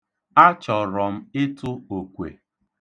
Achọrọ m ịtụ okwe.